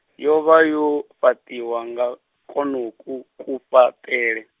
yo vha yo, fhaṱiwa nga, kwonoku kufhaṱele.